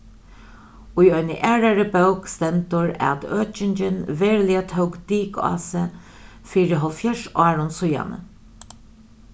í eini aðrari bók stendur at økingin veruliga tók dik á seg fyri hálvfjerðs árum síðani